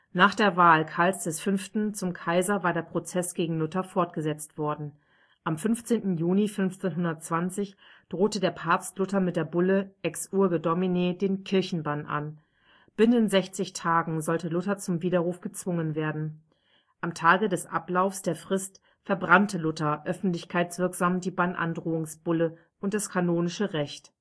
Nach der Wahl Karls V. zum Kaiser war der Prozess gegen Luther fortgesetzt worden. Am 15. Juni 1520 drohte der Papst Luther mit der Bulle Exsurge Domine den Kirchenbann an. Binnen 60 Tagen sollte Luther zum Widerruf gezwungen werden. Am Tage des Ablaufs der Frist verbrannte Luther öffentlichkeitswirksam die Bannandrohungsbulle und das kanonische Recht